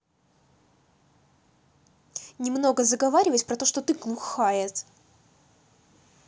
немного заговаривать про то что ты глухает